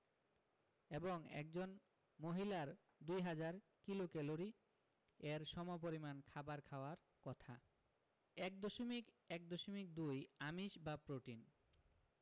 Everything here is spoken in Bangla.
এবং একজন মহিলার ২০০০ কিলোক্যালরি এর সমপরিমান খাবার খাওয়ার কথা ১.১.২ আমিষ বা প্রোটিন